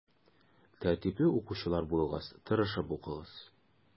Тәртипле укучылар булыгыз, тырышып укыгыз.